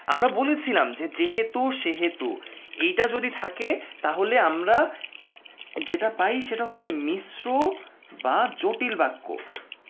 আমরা বলেছিলাম যেহেতু সেহেতু এইটা যদি থাকে তাহলে আমরা এটা যেটা পাই সেটা হচ্ছে মিশ্র বা জটিল বাক্য